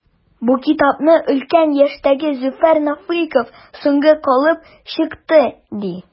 Бу китапны өлкән яшьтәге Зөфәр Нәфыйков “соңга калып” чыкты, ди.